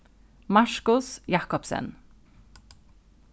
markus jakobsen